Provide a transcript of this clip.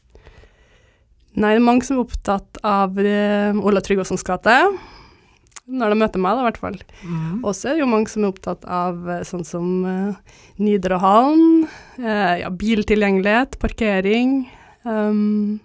nei det er mange som er opptatt av Olav Tryggvasons gate når dem møter meg da i hvert fall og så er det jo mange som er opptatt av sånn som Nidarøhallen ja biltilgjengelighet parkering .